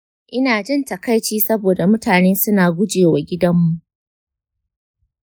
ina jin takaici saboda mutane suna guje wa gidanmu.